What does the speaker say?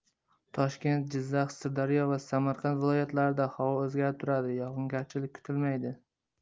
toshkent jizzax sirdaryo va samarqand viloyatlarida havo o'zgarib turadi yog'ingarchilik kutilmaydi